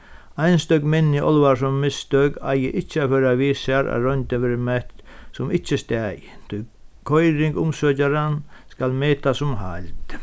einstøk minni álvarsom mistøk eiga ikki at føra við sær at royndin verður mett sum ikki staðin tí koyring umsøkjaran skal metast sum heild